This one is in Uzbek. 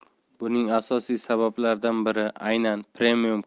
buning asosiy sabablaridan biri aynan premium